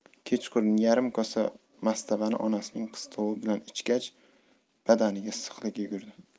kechqurun yarim kosa mastavani onasining qistovi bilan ichgach badaniga issiqlik yugurdi